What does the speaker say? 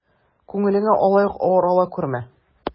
Күңелеңә алай ук авыр ала күрмә.